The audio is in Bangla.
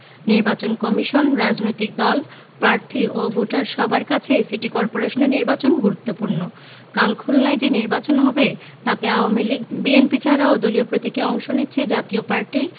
নির্বাচন কমিশন রাজনৈতিক দল পার্থী ও ভোটার সবার কাছেই সিটি করপোরেশন নির্বাচন গুরুত্বপূর্ণ কাল খুলনায় যে নির্বাচন হবে তাতে আওয়ামী লীগ বিএনপি ছাড়াও দলীয় প্রতীকে অংশ নিচ্ছে জাতীয় পার্টি